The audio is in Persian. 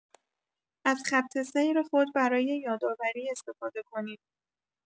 از خط سیر خود برای یادآوری استفاده کنید.